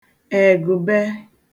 ègụ̀be